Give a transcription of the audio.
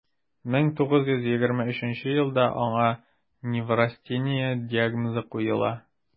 1923 елда аңа неврастения диагнозы куела: